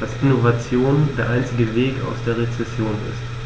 dass Innovation der einzige Weg aus einer Rezession ist.